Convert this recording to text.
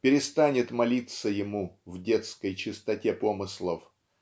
перестанет молиться Ему в детской чистоте помыслов.